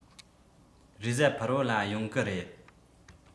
རེས གཟའ ཕུར བུ ལ ཡོང གི རེད